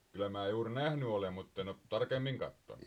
kyllä minä juuri nähnyt olen mutta en ole tarkemmin katsonut